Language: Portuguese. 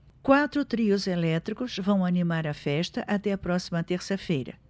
quatro trios elétricos vão animar a festa até a próxima terça-feira